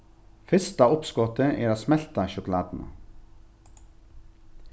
fyrsta uppskotið er at smelta sjokulátuna